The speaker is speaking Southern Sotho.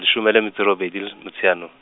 leshome le metso e robedi lis-, Motsheanong.